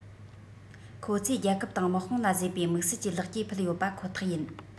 ཁོ ཚོས རྒྱལ ཁབ དང དམག དཔུང ལ བཟོས པའི དམིགས བསལ གྱི ལེགས སྐྱེས ཕུལ ཡོད པ ཁོ ཐག ཡིན